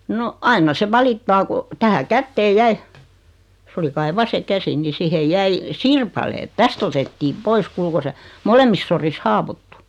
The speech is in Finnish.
no aina se valittaa kun tähän käteen jäi se oli kai vasen käsi niin siihen jäi sirpaleet tästä otettiin pois kuule kun se molemmissa sodissa haavoittui